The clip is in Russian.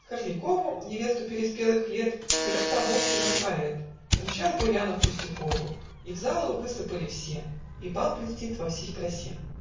Харликову, Невесту переспелых лет, Берет тамбовский мой поэт, Умчал Буянов Пустякову, И в залу высыпали все. И бал блестит во всей красе.